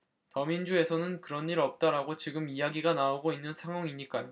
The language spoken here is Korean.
더민주에서는 그런 일 없다라고 지금 이야기가 나오고 있는 상황이니까요